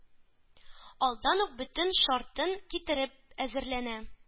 Алдан ук бөтен шартын китереп әзерләнә: